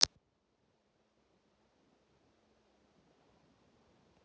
смотреть сериал бесстыжие